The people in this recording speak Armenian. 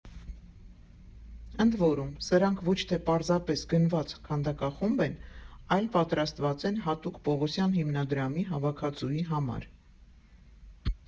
Ընդ որում, սրանք ոչ թե պարզապես գնված քանդակախումբ են, այլ պատրաստված են հատուկ Պողոսյան հիմնադրամի հավաքածուի համար։